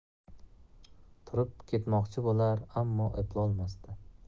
turib ketmoqchi bo'lar ammo eplolmasdi